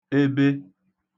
ebe